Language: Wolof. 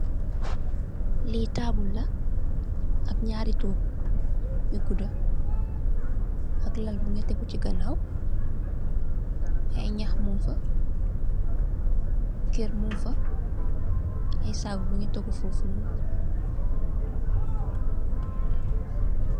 Li taabul la ak naari toogu yu gudda ak lal mungi tègu chi ganaaw. Ay nëh mung fa, kër mung fa, ay sagu mungi tégu fofunoon.